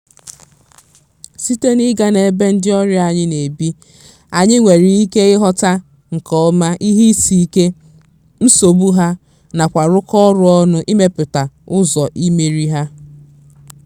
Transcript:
Site n'ịga n'ebe ndị ọrịa anyị na-ebi, anyị nwere ike ịghọta nke ọma ihe isiike, nsogbu ha, nakwa rụkọ ọrụ ọnụ ịmepụta ụzọ imeri ha.